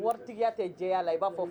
Moritigiya tɛ jɛya la i b'a fɔ